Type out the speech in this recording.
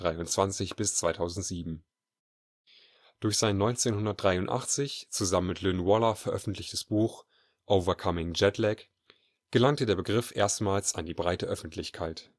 1923 – 2007) zurück. Durch sein 1983 zusammen mit Lynne Waller veröffentlichtes Buch Overcoming Jet Lag gelangte der Begriff erstmals an die breite Öffentlichkeit